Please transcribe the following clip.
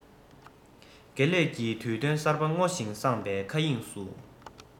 དགེ ལེགས ཀྱི དུས སྟོན གསར པ སྔོ ཞིང བསངས པའི མཁའ དབྱིངས སུ